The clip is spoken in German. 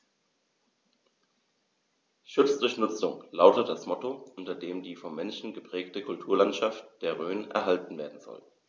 „Schutz durch Nutzung“ lautet das Motto, unter dem die vom Menschen geprägte Kulturlandschaft der Rhön erhalten werden soll.